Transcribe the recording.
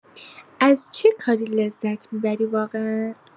از چه کاری لذت می‌بری واقعا؟